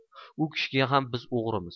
u kishigayam biz o'g'rimiz